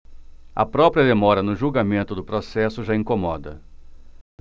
a própria demora no julgamento do processo já incomoda